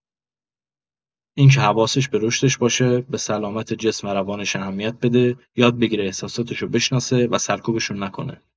این که حواسش به رشدش باشه، به سلامت جسم و روانش اهمیت بده، یاد بگیره احساساتشو بشناسه و سرکوبشون نکنه.